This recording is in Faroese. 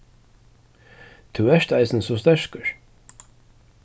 tú ert eisini so sterkur